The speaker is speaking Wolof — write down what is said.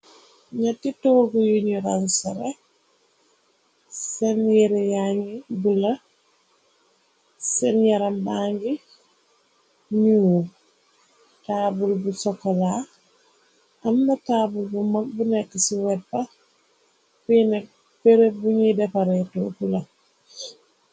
Neeti toogu yuñu ransare seen yere yaañi bula seen yaram bangi nuul taabul bu sokola amna taabul bu mag bu nekk ci weat ba fi nekk perëb buñuy defaree togu la.